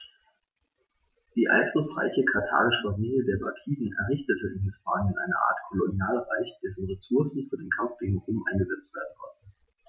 Die einflussreiche karthagische Familie der Barkiden errichtete in Hispanien eine Art Kolonialreich, dessen Ressourcen für den Kampf gegen Rom eingesetzt werden konnten.